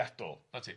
Wyt ti.